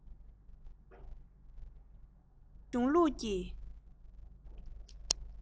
རིག པའི གཞུང ལུགས ཀྱི